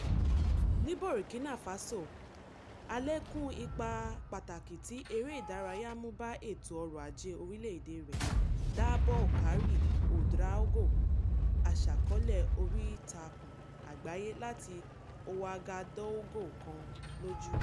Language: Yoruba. Ní Burkina Faso, àlékún ipa pàtàkì tí eré ìdárayá mú bá ètò ọrọ̀-ajé orílẹ̀-èdè rẹ dá Boukari Ouédraogo, aṣàkọọ́lẹ̀ oríìtakùn àgbáyé láti Ouagadougou kan, lójú.